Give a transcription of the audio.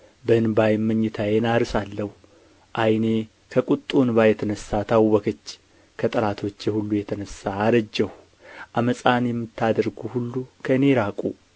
በዕንባዬም መኝታዬን አርሳለሁ ዓይኔ ከቍጡ ዕንባ የተነሣ ታወከች ከጠላቶቼ ሁሉ የተነሣ አረጀሁ ዓመፃን የምታደርጉ ሁሉ ከእኔ ራቁ